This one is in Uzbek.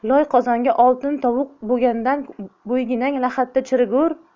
loy qozonga oltin tuvoq bo'lmay bo'yginang lahatda chirigur